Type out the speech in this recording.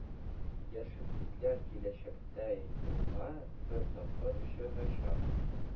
«яшел битләр» киләчәктә елга бер тапкыр чыгачак